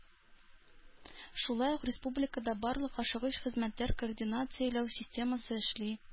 Шулай ук республикада барлык ашыгыч хезмәтләр координацияләү системасы эшли.